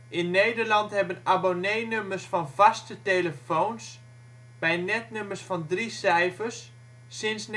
In Nederland hebben abonneenummers van vaste telefoons bij netnummers van drie cijfers sinds